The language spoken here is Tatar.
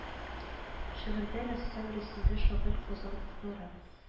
Шигырьдә рәссам рәсемдә шагыйрь казан утлары